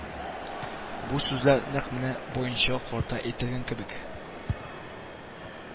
Бу сүзләр нәкъ менә баянчыга карата әйтелгән кебек